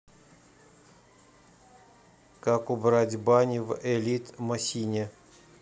как убрать бани в elite мосине